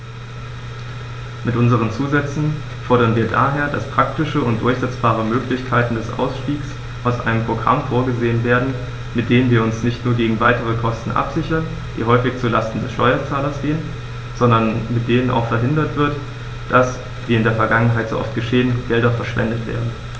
Mit unseren Zusätzen fordern wir daher, dass praktische und durchsetzbare Möglichkeiten des Ausstiegs aus einem Programm vorgesehen werden, mit denen wir uns nicht nur gegen weitere Kosten absichern, die häufig zu Lasten des Steuerzahlers gehen, sondern mit denen auch verhindert wird, dass, wie in der Vergangenheit so oft geschehen, Gelder verschwendet werden.